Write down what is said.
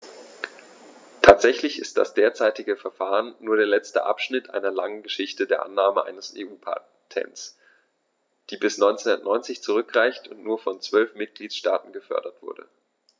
Tatsächlich ist das derzeitige Verfahren nur der letzte Abschnitt einer langen Geschichte der Annahme eines EU-Patents, die bis 1990 zurückreicht und nur von zwölf Mitgliedstaaten gefordert wurde.